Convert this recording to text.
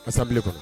Assemblée kɔnɔ